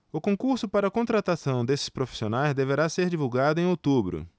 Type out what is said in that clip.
o concurso para contratação desses profissionais deverá ser divulgado em outubro